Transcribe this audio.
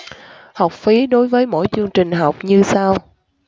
học phí đối với mỗi chương trình học như sau